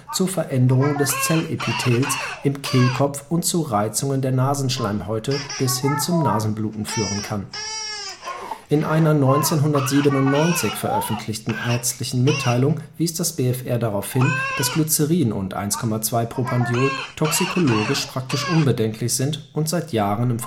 zu Veränderungen des Zellepithels im Kehlkopf und zu Reizungen der Nasenschleimhäute bis hin zum Nasenbluten führen kann. In einer 1997 veröffentlichten Ärztlichen Mitteilung wies das BfR darauf hin, dass Glycerin und 1,2-Propandiol toxikologisch praktisch unbedenklich sind und seit Jahren